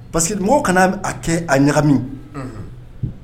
Parce que mɔgɔw kana kɛ a ɲaga min